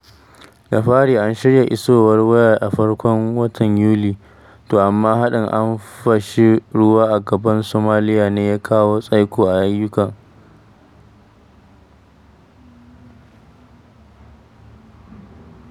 Da fari an shirya isowar wayar a farkon watan Yuli, to amma harin an fashi ruwa a gaɓar Somalia ne ya kawo tsaiko a ayyukan.